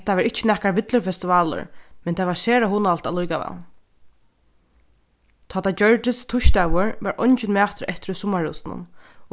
hetta var ikki nakar villur festivalur men tað var sera hugnaligt allíkavæl tá tað gjørdist týsdagur var eingin matur eftir í summarhúsinum